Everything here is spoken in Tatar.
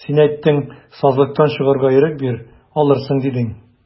Син әйттең, сазлыктан чыгарга ирек бир, алырсың, дидең.